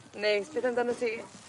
Neis beth amdanot ti?